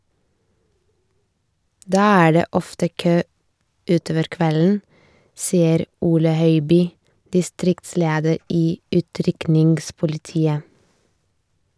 Da er det ofte kø utover kvelden, sier Ole Høiby, distriktsleder i utrykningspolitiet.